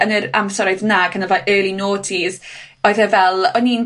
yn yr amser oedd 'na, ac yn y like early noughties, oedd e fel o'n i'n